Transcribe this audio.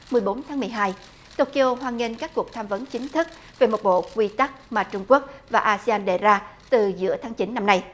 mười bốn tháng mười hai tô ky ô hoan nghênh các cuộc tham vấn chính thức về một bộ quy tắc mà trung quốc và a si an đề ra từ giữa tháng chín năm nay